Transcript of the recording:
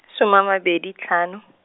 soma a mabedi tlhano.